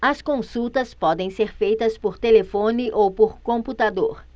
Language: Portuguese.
as consultas podem ser feitas por telefone ou por computador